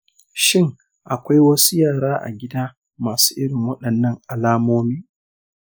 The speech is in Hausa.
shin akwai wasu yara a gida masu irin waɗannan alamomin?